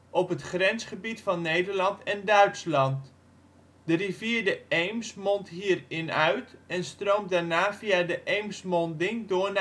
op het grensgebied van Nederland en Duitsland. De rivier de Eems mondt hier in uit en stroomt daarna via de Eemsmonding door